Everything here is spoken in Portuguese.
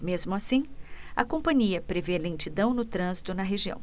mesmo assim a companhia prevê lentidão no trânsito na região